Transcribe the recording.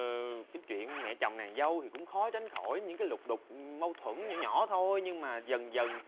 cái chuyện mẹ chồng nàng dâu cũng khó tránh khỏi những cái lục đục mâu thuẫn nhỏ nhỏ thôi nhưng mà dần dần